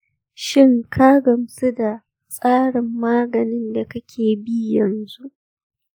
shin ka gamsu da tsarin maganin da kake bi yanzu?